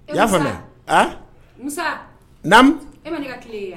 I y'a faamuya aa tile